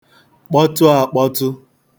kpọtụ ākpọ̄tụ̄